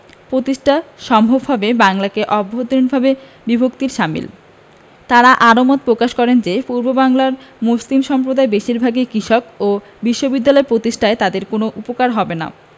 প্রতিষ্ঠা সম্ভব হবে বাংলাকে অভ্যন্তরীণভাবে বিভক্তির শামিল তাঁরা আরও মত প্রকাশ করেন যে পূর্ববাংলার মুসলিম সম্প্রদায় বেশির ভাগই কৃষক এবং বিশ্ববিদ্যালয় প্রতিষ্ঠায় তাদের কোনো উপকার হবে না